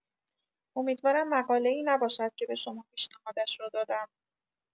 امیدوارم مقاله‌ای نباشد که به شما پیشنهادش را دادم.